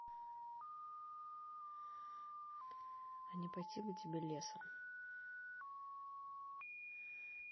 а не пойти бы тебе лесом